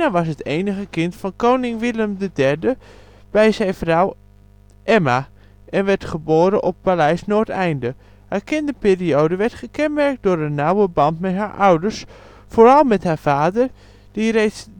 was het enige kind van koning Willem III bij zijn tweede vrouw Emma, en werd geboren op Paleis Noordeinde. Haar kinderperiode werd gekenmerkt door een nauwe band met haar ouders, vooral met haar vader, die reeds